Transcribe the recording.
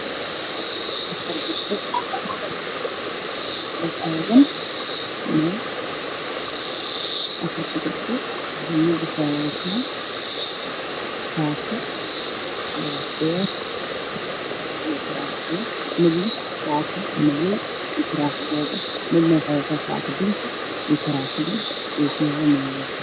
Waa afar gabdhood oo taagan meel oo wato mid wadatarxaad gudahood abaayad gaduud mid wadato madow telefoonka gacanta ku haysa niman agtaagan yihiin